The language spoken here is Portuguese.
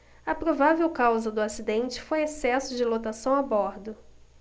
a provável causa do acidente foi excesso de lotação a bordo